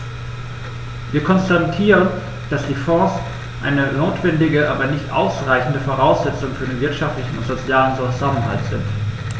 Wir konstatieren, dass die Fonds eine notwendige, aber nicht ausreichende Voraussetzung für den wirtschaftlichen und sozialen Zusammenhalt sind.